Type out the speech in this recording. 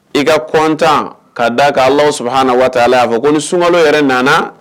I ka kɔntan ka da'law sɔrɔ hana waati la aa fɔ ko ni sungɔ yɛrɛ nana